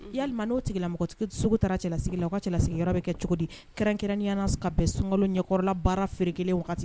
Yalilima n'o tigila mɔgɔtigi sugu ta cɛlasigi la ka cɛlasigi bɛ kɛ cogo di kɛrɛnkɛrɛnyaana ka bɛn sunkolo ɲɛkɔrɔla baara feereerekelen wagati